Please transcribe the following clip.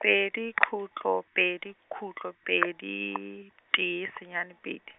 pedi, khutlo, pedi, khutlo, pedi, tee senyane pedi.